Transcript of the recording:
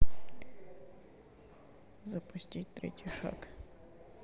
запусти третий шаг